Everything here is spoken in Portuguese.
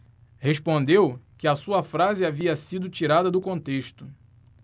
respondeu que a sua frase havia sido tirada do contexto